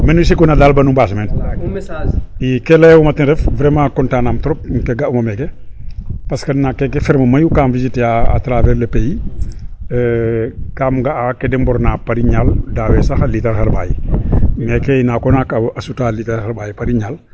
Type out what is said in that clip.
Me nu sikuna daal ba nu mbaas meen ke layuma ten ref vraiment content nam trop no ke ga'uma meeke parce que naak keke ferme mayu kam visiter a atravert le pays kaam ga'aa ke da mborna par ñaal dawe sax xa litre xarɓaxay meeke naak o naak a suta xa litre xarɓaxay par ñaal.